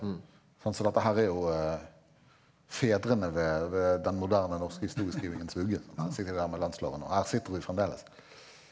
sant så dette her er jo fedrene ved ved den moderne norske historieskrivingens vugge, være seg det der med landsloven og her sitter vi fremdeles.